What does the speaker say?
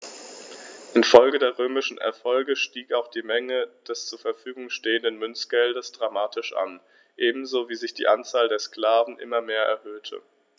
Infolge der römischen Erfolge stieg auch die Menge des zur Verfügung stehenden Münzgeldes dramatisch an, ebenso wie sich die Anzahl der Sklaven immer mehr erhöhte.